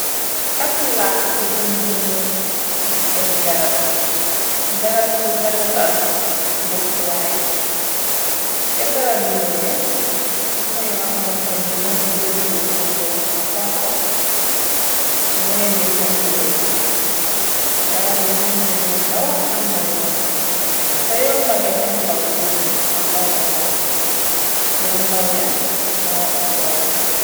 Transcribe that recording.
Ab làkk buñ jëmbat ay garab garab bur defa tal dëkkuwaayi ca garab yoo ya amna yoo xamante ni mënga tuntur tuntor moo xonxo yeneen ya tuntuure gut garab yi xamna yoo ndaw xamna yoo mag te yoo mage seen xobi boryhood fa xawa wow yoo ndawya moo tooy.